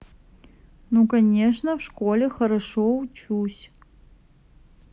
ну конечно в школе хорошо учусь